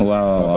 waawaaw waaw